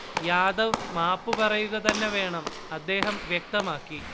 യാദവ് മാപ്പ് പറയുക തന്നെ വേണം, അദ്ദേഹം വ്യക്തമാക്കി